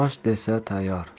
osh desa tayyor